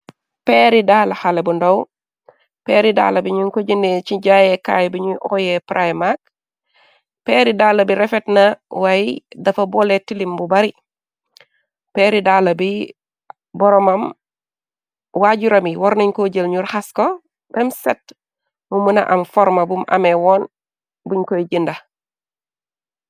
Peeri daala xale bu ndaw, peeri daala bi ñuñ ko jëndee ci jaaye kaay biñu oyee Prima, peeri daala bi refet na waay dafa boole tilim bu bari, peeri daala bi boroomam, waajurami warnañ ko jël ñu raxasko bem set, mu mëna am forma bum ame woon buñ koy jenda.